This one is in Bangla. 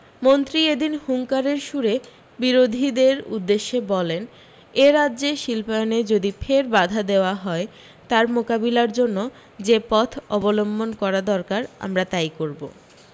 মন্ত্রী এদিন হুংকারের সুরে বিরোধীদের উদ্দেশে বলেন এ রাজ্যে শিল্পায়নে যদি ফের বাধা দেওয়া হয় তার মোকাবিলার জন্য যে পথ অবলম্বন করা দরকার আমরা তাই করব